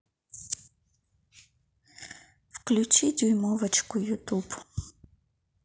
включи дюймовочку ютуб